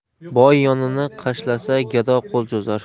boy yonini qashlasa gado qo'l cho'zar